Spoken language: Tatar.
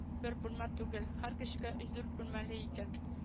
Бер бүлмә түгел, һәр кешегә өч-дүрт бүлмәле икән